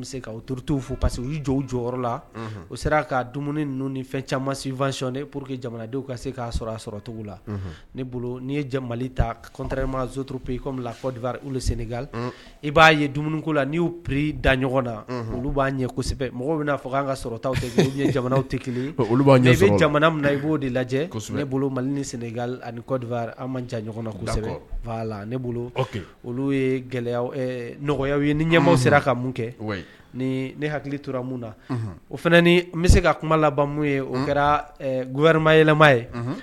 Sera dumuni ninnu ni fɛn camanfayɔn p que kcogo la'i mali ta i sen i b'a ye dumuni la n'iu da na olu b'a ɲɛsɛbɛ mɔgɔ bɛna'a fɔ' ka sɔrɔta fɛ jamana tɛ kelen olu' jamana min na i b'o de lajɛ ne bolo mali ni sen ni mansɛbɛ ne olu ye gɛlɛya nɔgɔya ye ni ɲɛ sera ka mun kɛ ne hakili tora na o fana bɛ se ka kuma labanmu ye o kɛra guma yɛlɛma